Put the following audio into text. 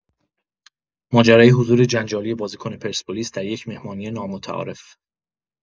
ماجرای حضور جنجالی بازیکن پرسپولیس در یک مهمانی نامتعارف!